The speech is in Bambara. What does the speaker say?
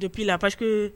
Pi'i la parce que